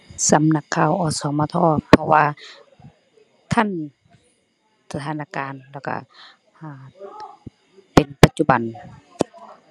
สำนักข่าว อ.ส.ม.ท. เพราะว่าทันสถานการณ์แล้วก็ เอ่อ เป็นปัจจุบัน